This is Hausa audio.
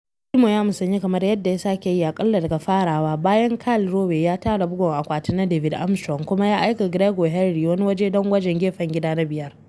Climo ya musanyu, kamar yadda ya sake yi aƙalla daga farawa, bayan Kyle Rowe ya tara bugun akwati na David Armstrong kuma ya aika Gregor Henry wani waje don gwajin gefen gida na biyar.